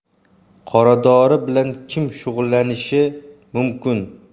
qoradori bilan kim shug'ullanishi mumkin